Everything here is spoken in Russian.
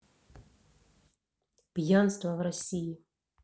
пьянство в россии